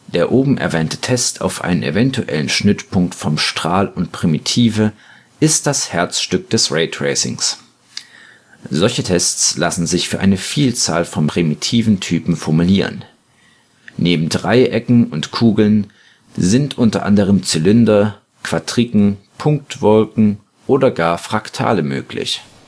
Der oben erwähnte Test auf einen eventuellen Schnittpunkt von Strahl und Primitive ist das Herzstück des Raytracings. Solche Tests lassen sich für eine Vielzahl von Primitiventypen formulieren. Neben Dreiecken und Kugeln sind unter anderem Zylinder, Quadriken, Punktwolken oder gar Fraktale möglich